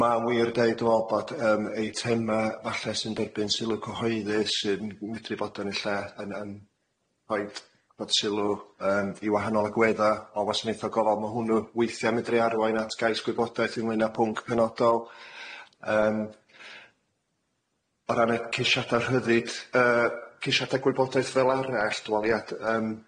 Ma'n wir deu' dwi me'wl bod yym eitema falle sy'n derbyn sylw cyhoeddus sy'n medru bod yn y lle yn yn rhoid bod sylw yym i wahanol agwedda o wasanaethe gofal ma' hwnnw weithia' medru arwain at gais gwybodaeth ynglŷn â pwnc penodol yym o ran y ceisiada rhyddid yy ceisiada gwybodaeth fel arall dwi me'wl ie yym.